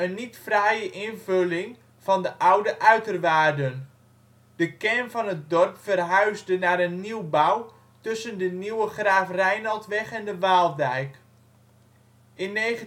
niet fraaie invulling van de oude uiterwaarden. De kern van het dorp verhuisde naar een nieuwbouw tussen de nieuwe Graaf Reinaldweg en de Waaldijk. In 1986